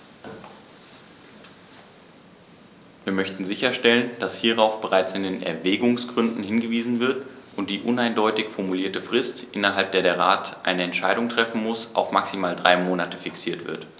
Wir möchten sicherstellen, dass hierauf bereits in den Erwägungsgründen hingewiesen wird und die uneindeutig formulierte Frist, innerhalb der der Rat eine Entscheidung treffen muss, auf maximal drei Monate fixiert wird.